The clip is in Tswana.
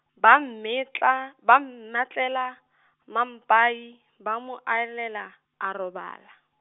ba mmetla, ba mmatlela , mapai, ba mo alela, a robala.